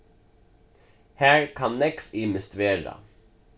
har kann nógv ymiskt vera